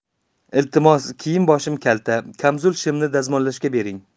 iltimos kiyim boshim kalta kamzul shimni dazmollashga bering